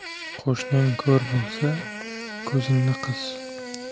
qo'shning ko'r bo'lsa ko'zingni qis